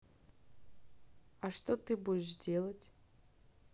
а что ты будешь делать